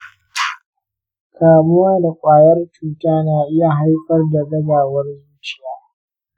kamuwa da ƙwayar cuta na iya haifar da gazawar zuciya?